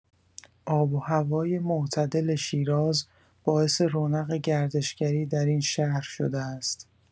آب و هوای معتدل شیراز باعث رونق گردشگری در این شهر شده است.